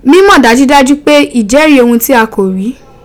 Mimo dajudaju pe. Ijeri ohun ti a ko ri.